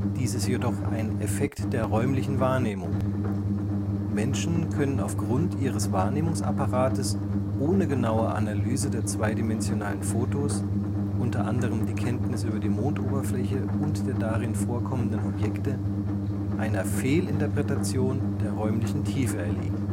Dies ist jedoch ein Effekt der räumlichen Wahrnehmung. Menschen können auf Grund ihres Wahrnehmungsapparates ohne genaue Analyse der zweidimensionalen Fotos (unter anderem die Kenntnis über die Mondoberfläche und der darin vorkommenden Objekte) einer Fehlinterpretation der räumlichen Tiefe erliegen